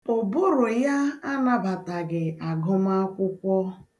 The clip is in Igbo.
Ụbụrụ ya anabataghị agụmakwụkwọ.